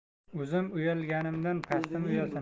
o'zim uyalganimdan patnisim uyalsin